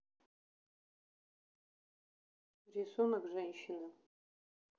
рисунок женщины